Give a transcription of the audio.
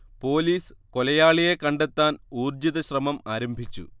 police കൊലയാളിയെ കണ്ടെത്താൻ ഊർജ്ജിത ശ്രമം ആരംഭിച്ചു